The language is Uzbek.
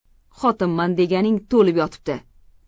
xotinman deganing to'lib yotibdi